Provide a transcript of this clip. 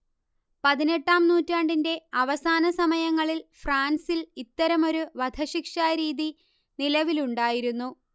പതിനെട്ടാം നൂറ്റാണ്ടിന്റെ അവസാനസമയങ്ങളിൽ ഫ്രാൻസിൽ ഇത്തരമൊരു വധശിക്ഷാരീതി നിലവിലുണ്ടായിരുന്നു